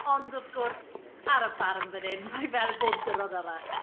Ond wrth gwrs, ar y fferm fan hyn, mae hi fel pob diwrnod arall.